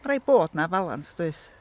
Mae'n rhaid bod 'na falans does?